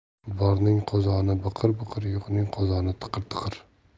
borning qozoni biqir biqir yo'qning qozoni tiqir tiqir